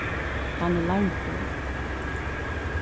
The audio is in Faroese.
hann er lærdur